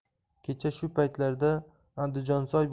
kecha shu paytlarda andijonsoy